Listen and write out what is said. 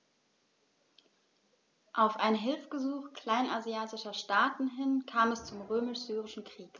Auf ein Hilfegesuch kleinasiatischer Staaten hin kam es zum Römisch-Syrischen Krieg.